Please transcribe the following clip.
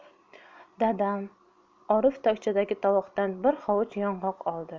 dadam orif tokchadagi tovoqdan bir hovuch yong'oq oldi